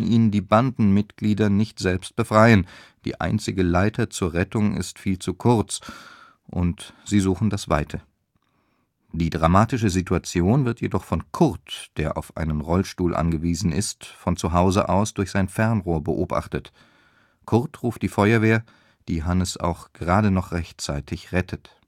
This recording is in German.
ihn die Bandenmitglieder nicht selbst befreien – die einzige Leiter zur Rettung ist viel zu kurz – und suchen das Weite. Die dramatische Situation wird jedoch von Kurt, der auf einen Rollstuhl angewiesen ist, von zu Hause aus durch sein Fernrohr beobachtet. Kurt ruft die Feuerwehr, die Hannes auch gerade noch rechtzeitig rettet